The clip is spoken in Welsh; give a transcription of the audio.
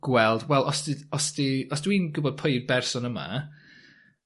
gweld wel os d- os dwi os dwi'n gwbod pwy yw'r berson yma